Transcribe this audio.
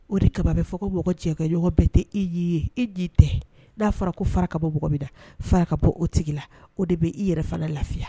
O de kaba bɛ fɔ ka cɛ kaɔgɔ bɛɛ tɛ e'i ye e ji tɛ n'a fɔra ko fara ka bɔɔgɔ minda fara ka bɔ o tigila o de bɛ i yɛrɛ fana lafiya